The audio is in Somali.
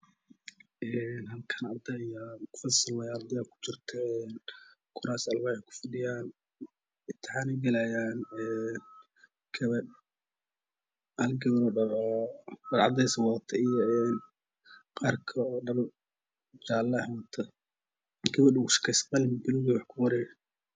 Halkaan fasal waaye arday ayaa ku jirto kuraas alwaaxa ku fadhiyaan intixaan ayay galahayaan. Hal gabar oo dhar cadeys wadato iyo qaar kale oo dhar jaalo wato, gabadha ugu sukeyso qalin buluug ah ayay wax ku qoree.